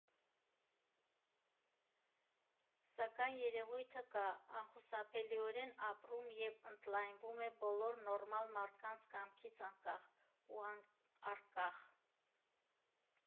Սակայն երևույթը կա, անխուսափելիորեն ապրում և ընդլայնվում է՝ բոլոր նորմալ մարդկանց կամքից անկախ ու առկախ։